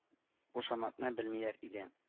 Кушаматны белмиләр иде